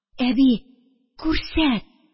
Әби, күрсәт!